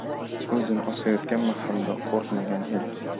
o'zini osayotgan mahalida qo'rqmagan edi